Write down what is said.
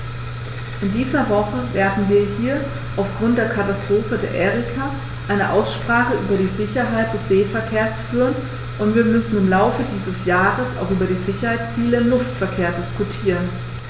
In dieser Woche werden wir hier aufgrund der Katastrophe der Erika eine Aussprache über die Sicherheit des Seeverkehrs führen, und wir müssen im Laufe dieses Jahres auch über die Sicherheitsziele im Luftverkehr diskutieren.